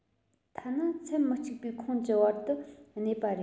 ཐ ན ཚན མི གཅིག པའི ཁོངས ཀྱི བར དུ གནས པ རེད